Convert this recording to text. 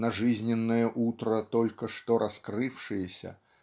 на жизненное утро только что раскрывшиеся